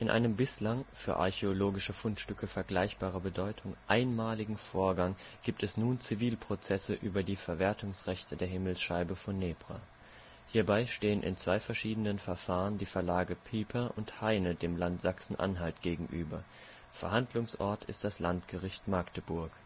einem bislang – für archäologische Fundstücke vergleichbarer Bedeutung – einmaligen Vorgang gibt es nun Zivilprozesse über die Verwertungsrechte der Himmelsscheibe von Nebra. Hierbei stehen in zwei verschiedenen Verfahren die Verlage Piper und Heyne dem Land Sachsen-Anhalt gegenüber, Verhandlungsort ist das Landgericht Magdeburg